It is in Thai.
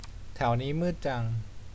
แถวนี้มืดจัง